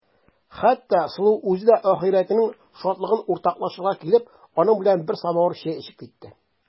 Хәтта Сылу үзе дә ахирәтенең шатлыгын уртаклашырга килеп, аның белән бер самавыр чәй эчеп китте.